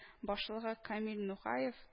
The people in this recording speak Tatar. Башлыгы камил нугаев